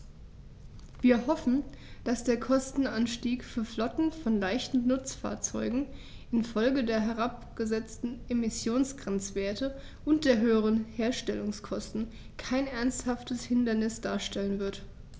Wir hoffen, dass der Kostenanstieg für Flotten von leichten Nutzfahrzeugen in Folge der herabgesetzten Emissionsgrenzwerte und der höheren Herstellungskosten kein ernsthaftes Hindernis darstellen wird.